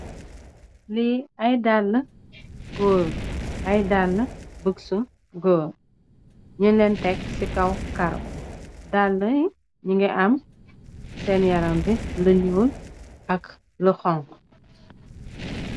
Li ay dalli gór la, ay dalli buksi gór. Ñing lèèn tek ci kaw karó dalli yi ni ngi am sèèn yaram bi lu ñuul ak lu xonxu.